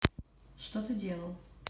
что ты делал